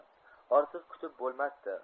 ortiq kutib bolmasdi